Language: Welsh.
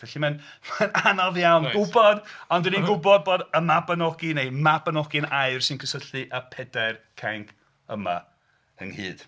Felly mae'n mae'n anodd iawn gwybod ond dan ni'n gwybod bod y Mabinogi neu Mabinogi yn air sy'n cysylltu y Pedair Cainc yma ynghyd.